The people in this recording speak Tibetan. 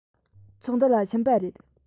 ཚོགས འདུ ལ ཕྱིན པ རེད